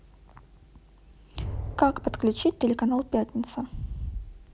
как подключить телеканал пятница